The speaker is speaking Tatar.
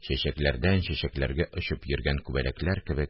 Чәчәкләрдән чәчәкләргә очып йөргән күбәләкләр кебек